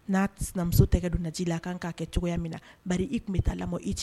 N'a sinamuso tɛgɛ don ji la a ka kan k'a kɛ cogoya min na ba i tun bɛ taa lamɔ i cɛ